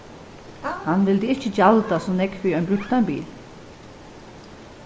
hann vildi ikki gjalda so nógv fyri ein brúktan bil